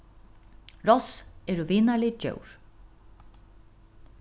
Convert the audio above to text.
ross eru vinarlig djór